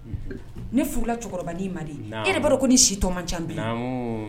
Ne furula cɛkɔrɔbani in ma de naamu e b'a dɔn ko ni si tɔ man ca bi naamuu